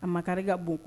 A makari ka bon